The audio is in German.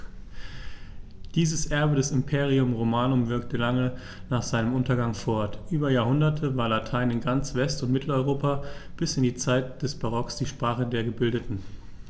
Dieses Erbe des Imperium Romanum wirkte lange nach seinem Untergang fort: Über Jahrhunderte war Latein in ganz West- und Mitteleuropa bis in die Zeit des Barock die Sprache der Gebildeten.